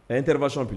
A ye intervention